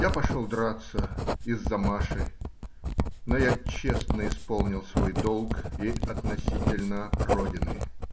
Я пошел драться из-за Маши, но я честно исполнил свой долг и относительно родины.